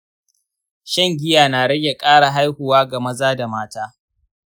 shan giya na rage ƙara haihuwa ga maza da mata.